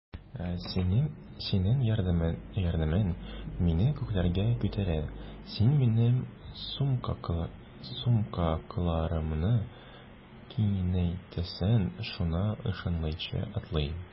Синең ярдәмең мине күкләргә күтәрә, син минем сукмакларымны киңәйтәсең, шуңа ышанычлы атлыйм.